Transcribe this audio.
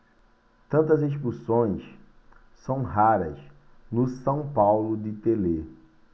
tantas expulsões são raras no são paulo de telê